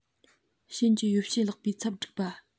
ཞན གྱི ཡོ བྱད བརླགས པའི ཚབ སྒྲིག པ